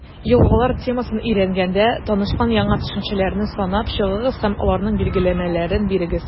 «елгалар» темасын өйрәнгәндә танышкан яңа төшенчәләрне санап чыгыгыз һәм аларның билгеләмәләрен бирегез.